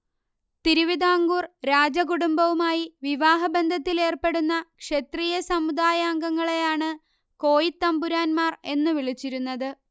തിരുവിതാംകൂർ രാജകുടുംബവുമായി വിവാഹബന്ധത്തിലേർപ്പെടുന്ന ക്ഷത്രിയസമുദായാംഗങ്ങളെയാണ് കോയിത്തമ്പുരാന്മാർ എന്നു വിളിച്ചിരുന്നത്